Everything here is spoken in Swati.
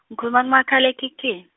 ngikhuluma ku makhalekhikhini.